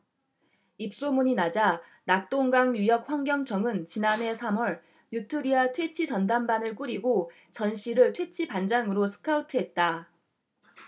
입소문이 나자 낙동강유역환경청은 지난해 삼 월 뉴트리아 퇴치전담반을 꾸리고 전씨를 퇴치반장으로 스카우트했다